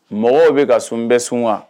Mɔgɔw bɛ ka sun bɛɛ sun wa?